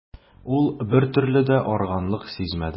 Ул бертөрле дә арыганлык сизмәде.